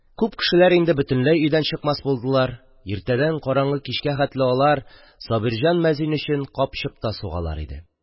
Күп кешеләр инде бөтенләй өйдән чыкмас булдылар; иртәдән караңгы кичкә хәтле алар Сабирҗан мәзин өчен кап-чыпта сугалар иде.